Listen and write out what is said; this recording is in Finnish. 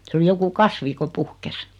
se oli joku kasvi kun puhkesi